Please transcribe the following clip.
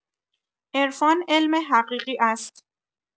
عرفان علم حقیقی است